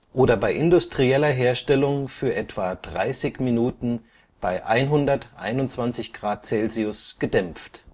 oder bei industrieller Herstellung für etwa 30 Minuten bei 121 °C gedämpft